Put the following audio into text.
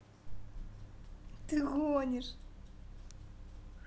ты гонишь